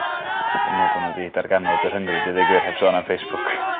Dwi'm me'wl bo' n'w 'di darganfod y rhyngrwyd i ddweu' gwir heb sôn am Facebook